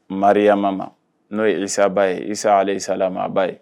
Mariama ma n'o yesaba ye isa ale sala a ba ye